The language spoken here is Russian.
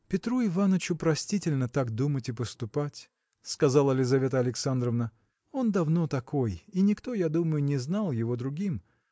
– Петру Иванычу простительно так думать и поступать – сказала Лизавета Александровна – он давно такой и никто я думаю не знал его другим